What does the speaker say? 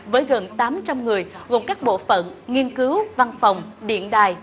với gần tám trăm người gồm các bộ phận nghiên cứu văn phòng điện đài